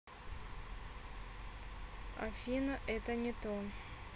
афина это не то